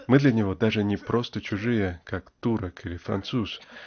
мы для него даже не просто чужие, как турок или француз